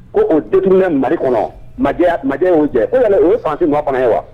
Ko o detourner Mali kɔnɔ majɛ y'a majɛ y'o jɛ ko yala o ye France nɔ fana ye wa